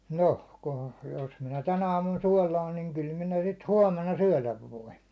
noh - jos minä tänä aamuna suolaan niin kyllä minä sitä huomenna syödä voin